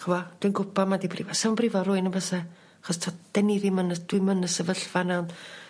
ch'mo' dwi'n gwbo ma' 'di brif- sa'n brifo rywun yn byse 'chos t'od 'dyn ni ddim yn y... Dwi'm yn y sefyllfa 'na ond